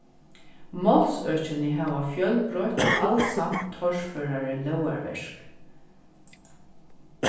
málsøkini hava fjølbroytt og alsamt torførari lógarverk